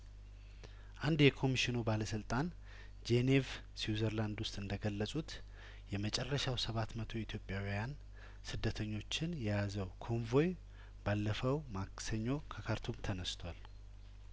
አንድ የኮሚሽኑ ባለስልጣን ጄኔቭ ስዊዘርላንድ ውስጥ እንደገለጹት የመጨረሻው ሰባት መቶ ኢትዮጵያውያን ስደተኞችን የያዘው ኮንቮይባለፈው ማክሰኞ ከካርቱም ተነስቷል